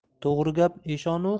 to'g'ri gap eshon